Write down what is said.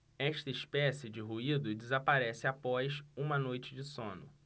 esta espécie de ruído desaparece após uma noite de sono